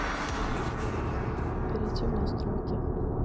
перейти в настройки